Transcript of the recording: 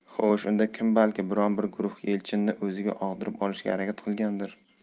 xo'sh unda kim balki biron bir guruh elchinni o'ziga og'dirib olishga harakat qilgandir